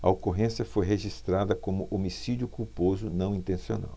a ocorrência foi registrada como homicídio culposo não intencional